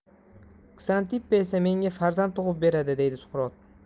ksantippa esa menga farzand tug'ib beradi deydi suqrot